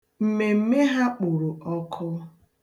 Mmemme ha kporo ọkụ.